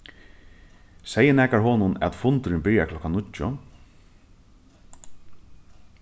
segði nakar honum at fundurin byrjar klokkan níggju